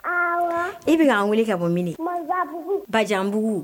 Awɔ. I bɛ k'an wele ka bɔ min ni? . Bajanbugu.